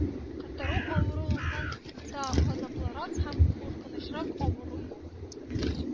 Котыру авыруыннан да газаплырак һәм куркынычрак авыру юк